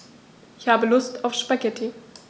Ich habe Lust auf Spaghetti.